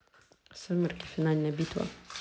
сумерки финальная битва